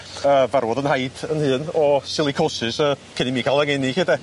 Yy farwodd 'yn nhaid 'yn hun o silicosis yy cyn i mi ca'l 'yng ngeni 'lly de.